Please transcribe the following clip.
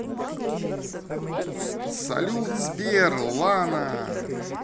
салют сбер лана